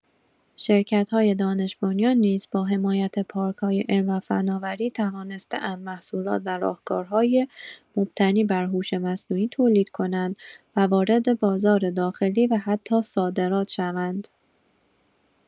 شرکت‌های دانش‌بنیان نیز با حمایت پارک‌های علم و فناوری توانسته‌اند محصولات و راهکارهای مبتنی بر هوش مصنوعی تولید کنند و وارد بازار داخلی و حتی صادرات شوند.